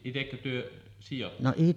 itsekö te sidoittekin